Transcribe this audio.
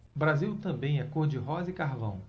o brasil também é cor de rosa e carvão